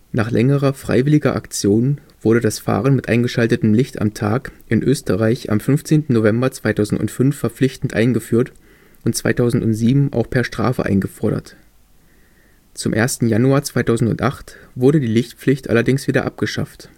Nach längerer freiwilliger Aktion wurde das Fahren mit eingeschaltetem Licht am Tag in Österreich am 15. November 2005 verpflichtend eingeführt und 2007 auch per Strafe eingefordert. Zum 1. Januar 2008 wurde die Lichtpflicht allerdings wieder abgeschafft